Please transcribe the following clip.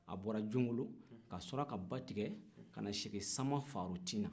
a bɔra jomolo ka sɔrɔ ka ba tigɛ kana sigi samafarotina